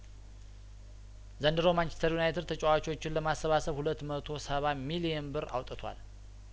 ዘንድሮ ማንቸስተር ዩናይትድ ተጫዋቾችን ለማሰባሰብ ሁለት መቶ ሰባ ሚሊየን ብር አውጥቷል